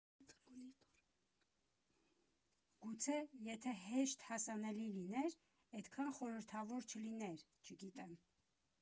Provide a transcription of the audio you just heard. Գուցե, եթե հեշտ հասանելի լիներ, էդքան խորհրդավոր չլիներ, չգիտեմ։